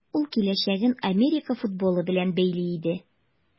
Ул киләчәген Америка футболы белән бәйли иде.